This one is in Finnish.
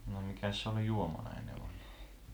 no mikäs se oli juomana ennen vanhaan